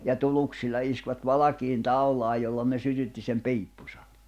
ja tuluksilla iskivät valkeaan taulaan jolla ne sytytti sen piippunsa